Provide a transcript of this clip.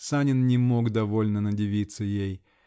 Санин не мог довольно надивиться ей